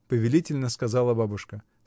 — повелительно сказала бабушка.